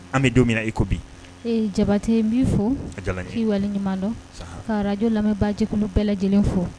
An bɛ don min na i ko bi. Ee Jabate n b'i fo;A jara n ye. K'i waleɲuman dɔn, ka radio lamɛbaajɛkulu bɛɛ lajɛlen fɔ.